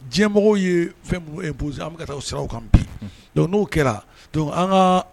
Diɲɛmɔgɔ ye fɛn min, ɛ bos an taa o siraw kan bi, donc n'o kɛra, donc an ka